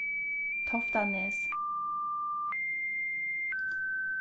toftanes